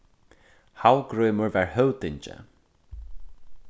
havgrímur var høvdingi